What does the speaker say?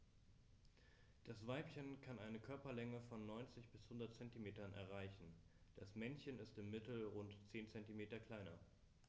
Das Weibchen kann eine Körperlänge von 90-100 cm erreichen; das Männchen ist im Mittel rund 10 cm kleiner.